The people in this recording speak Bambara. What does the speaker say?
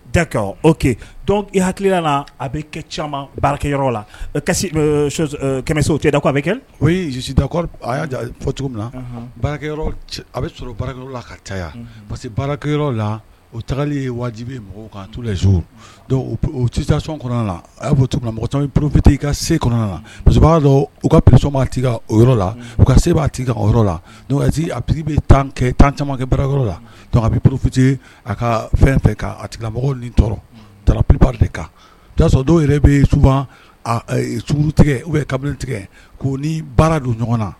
Da o ke i hakilila a bɛ kɛ caman baarakɛ la kasi kɛmɛ tɛda bɛ kɛ osida a y'a fɔ cogo min na baarakɛ a bɛ sɔrɔ bara la ka caya parce que baarakɛ la o tagali wajibi mɔgɔw ka turu ti kɔnɔna la a'o mɔgɔ poropte i ka se kɔnɔn na parce dɔn u ka psɔnma ti o yɔrɔ la u ka se b'a ti o yɔrɔ lao a ppi bɛ tan caman kɛ bara yɔrɔ la bɛ porofuti a ka fɛn fɛ a mɔgɔ ni tɔɔrɔ pp de kana sɔrɔ dɔw yɛrɛ bɛ su tigɛ u ye kabila tigɛ k' ni baara don ɲɔgɔn na